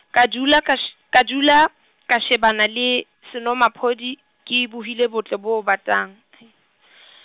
ka dula ka she-, ka dula, ka shebana le, senomaphodi, ke bohile botle bo batang .